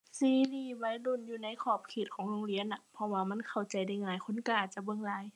ซีรีส์วัยรุ่นอยู่ในขอบเขตของโรงเรียนน่ะ เพราะว่ามันเข้าใจได้ง่าย คนก็อาจจะเบิ่งหลาย